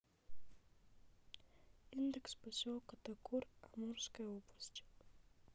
индекс поселка токур амурской области